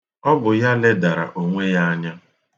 Ọ bụ ya lebara onwe ya anya.